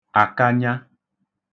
àkanya